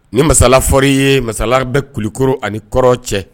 Nin masala fɔri ye masala bɛ kulukoro ani kɔrɔ cɛ